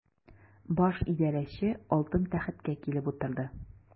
Баш идарәче алтын тәхеткә килеп утырды.